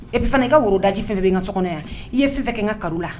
I bɛ fana i ka worodaji f fɛn fɛ i' ka so kɔnɔ yan i ye fɛn fɛ n ka la